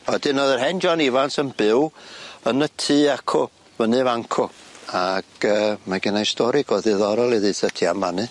Wedyn o'dd yr hen John Ivans yn byw yn y tŷ acw fyny fan 'cw ag yy mae gennai stori go ddiddorol i ddeutha ti am fanu.